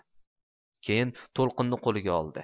keyin to'lqinni qo'liga oldi